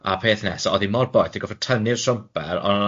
A peth nesa, o'dd hi mor boeth gorffod tynnu'r siwmper,